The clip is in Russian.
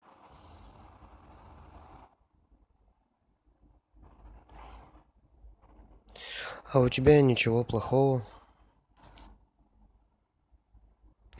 а у тебя я ничего плохого